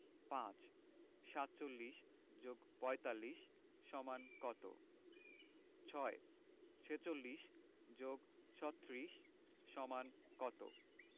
৫ ৪৭ + ৪৫ = কত ৬ ৪৬ + ৩৬ = কত